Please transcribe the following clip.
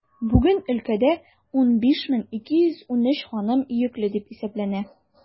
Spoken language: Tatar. Бүген өлкәдә 15213 ханым йөкле дип исәпләнә.